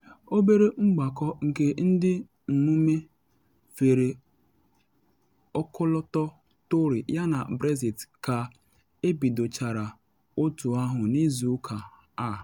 Obere mgbakọ nke ndị mmume fere ọkọlọtọ Tory Yana Brexit ka ebidochara otu ahụ n’izu ụka a.